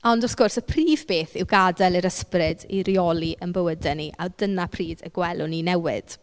Ond wrth gwrs y prif beth yw gadael yr ysbryd i reoli ein bywydau ni a dyna pryd y gwelwn ni newid.